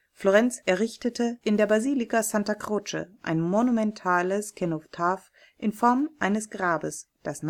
Florenz errichtete in der Basilika Santa Croce ein monumentales Kenotaph in Form eines Grabes, das